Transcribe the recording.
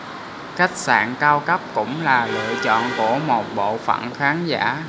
khách sạn cao cấp cũng là lựa chọn của một bộ phận khán giả